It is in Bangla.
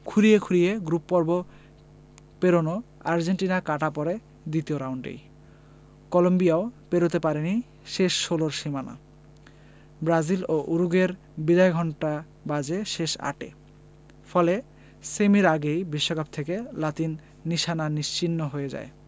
খুঁড়িয়ে খুঁড়িয়ে গ্রুপপর্ব পেরনো আর্জেন্টিনা কাটা পড়ে দ্বিতীয় রাউন্ডেই কলম্বিয়াও পেরোতে পারেনি শেষ ষোলোর সীমানা ব্রাজিল ও উরুগুয়ের বিদায়ঘণ্টা বাজে শেষ আটে ফলে সেমির আগেই বিশ্বকাপ থেকে লাতিন নিশানা নিশ্চিহ্ন হয়ে যায়